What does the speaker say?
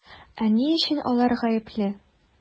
Ә ни өчен алар гаепле?